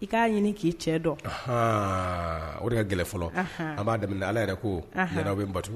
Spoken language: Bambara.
I k'a ɲini k'i cɛ dɔn o ka gɛlɛn fɔlɔ a b'a daminɛ ala yɛrɛ ko yɛrɛ bɛ ba